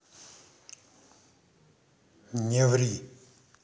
не ври